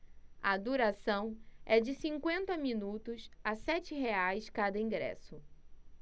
a duração é de cinquenta minutos a sete reais cada ingresso